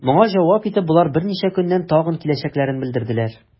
Моңа җавап итеп, болар берничә көннән тагын киләчәкләрен белдерделәр.